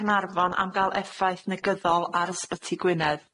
Caernarfon am ga'l effaith negyddol ar ysbyty Gwynedd?